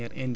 dëgg la